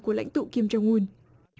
của lãnh tụ kim chông un